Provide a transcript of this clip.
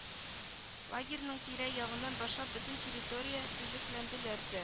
Лагерьның тирә-ягыннан башлап бөтен территория төзекләндерелде